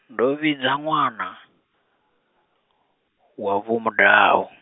ndo vhidza ṅwana, wa Vho Mudau.